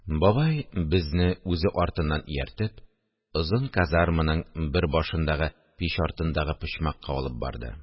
Бабай, безне үзе артыннан ияртеп, озын казарманың бер башындагы мич артындагы почмакка алып барды